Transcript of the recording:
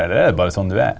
eller er det bare sånn du er?